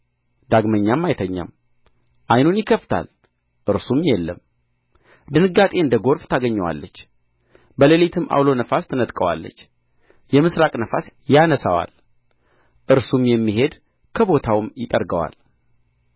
ዳግመኛም አይተኛም ዓይኑን ይከፍታል እርሱም የለም ድንጋጤ እንደ ጐርፍ ታገኘዋለች በሌሊትም ዐውሎ ነፋስ ትነጥቀዋለች የምሥራቅ ነፋስ ያነሣዋል እርሱም ይሄዳል ከቦታውም ይጠርገዋል